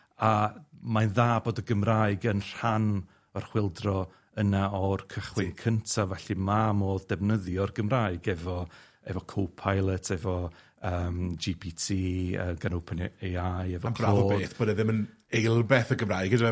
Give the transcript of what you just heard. a mae'n dda bod y Gymraeg yn rhan o'r chwyldro yna o'r cychwyn cyntaf, felly ma' modd defnyddio'r Gymraeg efo efo co-pilot, efo, yym, Gee Pee Tee, yy, gan Open A- A eye, efo Claude... Ma'n braf o beth bod e ddim yn eilbeth y Gymraeg, on'd yw e?